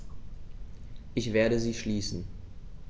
Ich werde sie schließen.